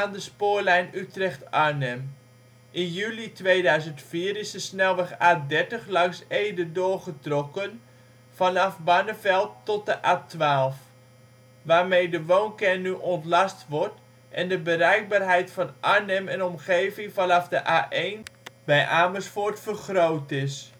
de spoorlijn Utrecht-Arnhem. In juli 2004 is de snelweg A30 langs Ede doorgetrokken vanaf Barneveld tot de A12, waarmee de woonkern nu ontlast wordt en de bereikbaarheid van Arnhem en omgeving vanaf de A1 bij Amersfoort vergroot is